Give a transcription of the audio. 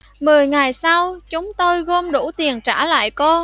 mười ngày sau chúng tôi gom đủ tiền trả lại cô